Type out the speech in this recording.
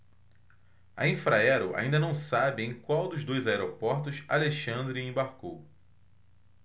a infraero ainda não sabe em qual dos dois aeroportos alexandre embarcou